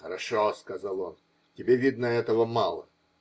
-- Хорошо, -- сказал он, -- тебе, видно, этого мало.